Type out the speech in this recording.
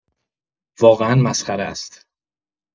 واقعا مسخره است.